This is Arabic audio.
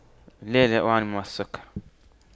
لا لا أعاني من مرض السكر